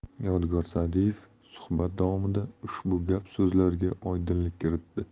yodgor sa'diyev suhbat davomida ushbu gap so'zlarga oydinlik kiritdi